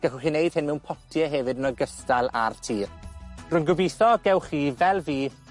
Gallwch chi wneud hyn mewn potie hefyd, yn ogystal â'r tir. Rwy'n gobeithio y gewch chi, fel fi,